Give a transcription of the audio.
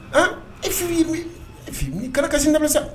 Aa ifi ni kana kasi sindami sa